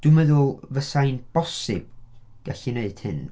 Dwi'n meddwl fysa hi'n bosib gallu 'neud hyn.